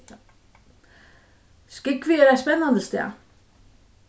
skúvoy er eitt spennandi stað